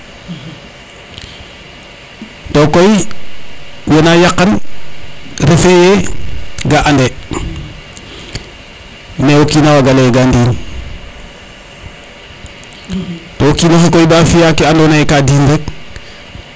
tokoy wena yaqan refeye ga ande mais o kina waga leye nga ndi'in to o kinoxe koy ba fiya ke ando naye koy ka di in rek